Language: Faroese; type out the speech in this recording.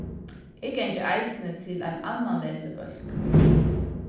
eg gangi eisini til ein annan lesibólk